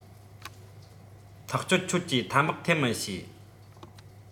ཐག ཆོད ཁྱོད ཀྱིས ཐ མག འཐེན མི ཤེས